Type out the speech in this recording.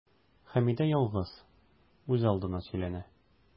Хәмидә ялгыз, үзалдына сөйләнә.